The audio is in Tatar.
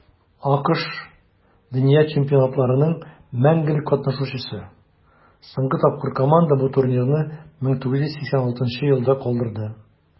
АКШ - дөнья чемпионатларының мәңгелек катнашучысы; соңгы тапкыр команда бу турнирны 1986 елда калдырды.